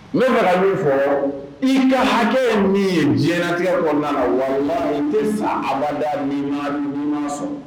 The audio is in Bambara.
Ne bara min fɔ i ka hakɛ ye min ye diɲɛɲɛnatigɛ o nana walima i tɛ fa min ma jugu sɔn